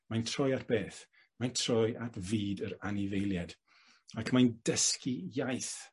mae'n at beth? Mae'n troi at fyd yr anifeiliaid. Ac mae'n dysgu iaith